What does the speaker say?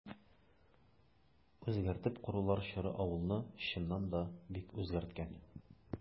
Үзгәртеп корулар чоры авылны, чыннан да, бик үзгәрткән.